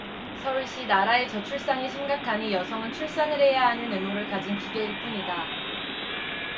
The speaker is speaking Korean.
서울시나라의 저출산이 심각하니 여성은 출산을 해야 하는 의무를 가진 기계일 뿐이다